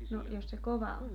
no jos se kova on